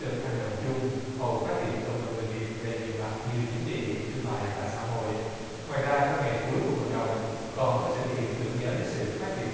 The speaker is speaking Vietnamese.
được hành động chung hầu phát triển cộng đồng người việt về nhiều mặt như chính trị thương mại và xã hội ngoài ra trong ngày cuối cuộc vận động còn có sự kiện tưởng nhớ lịch sử phát triển